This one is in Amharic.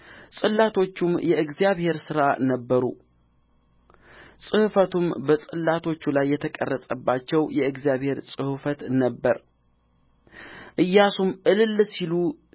ጽላቶቹም የእግዚአብሔር ሥራ ነበሩ ጽሕፈቱም በጽላቶች ላይ የተቀረጸባቸው የእግዚአብሔር ጽሕፈት ነበረ ኢያሱም እልል ሲሉ